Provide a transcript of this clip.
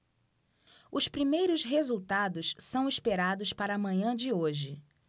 os primeiros resultados são esperados para a manhã de hoje